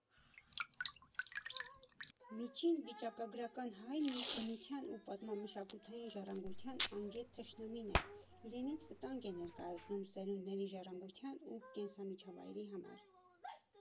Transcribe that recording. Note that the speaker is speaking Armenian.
Միջին վիճակագրական հայն իր բնության ու պատմամշակութային ժառանգության անգետ թշնամին է, իրենից վտանգ է ներկայացնում սերունդների ժառանգության ու կենսամիջավայրի համար։